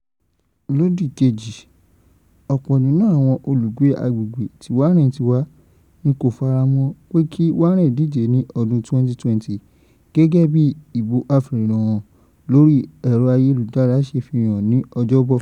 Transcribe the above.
Lódì kejì, ọ̀pọ̀ nínú àwọn olùgbé agbègbè tí Warren ti wá ni kò fara mọ́ ọ pé kí Warren díje ní ọdún 2020 gẹ́gẹ́ bí ìbò afèròhàn lórí ẹ̀rọ ayélujára ṣe fi hàn ní Ọjọ́bọ̀.